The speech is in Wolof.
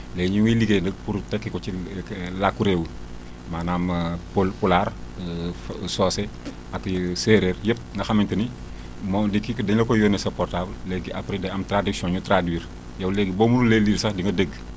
léegi ñu ngi liggéey nag pour pour tekki ko ci làkku réew mi maanaam pul pulaar soose ak séeréer yëpp nga xamante ni moom day kii dina ko yónnee sa portable léegi après day am traduction ñu traduire yow léegi boo mënulee lire sax di nga dégg